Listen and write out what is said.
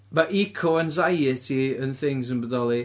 Ma' eco-anxiety yn thing sy'n bodoli.